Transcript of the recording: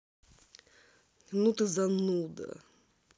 ну ты зануда